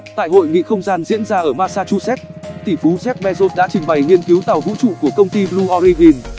tại hội nghị không gian diễn ra ở massachusetts tỷ phú jeff bezos đã trình bày nghiên cứu tàu vũ trụ của công ty blue origin